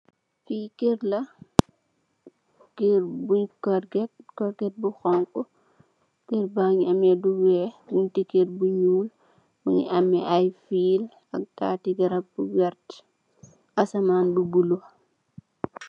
Fi keur la keur bun korget korget bu xonxa keur bagi ameh lu weex bunti keur bo nuul mogi ameh ay fill ak tati garab bu vertah asaman bu bulo.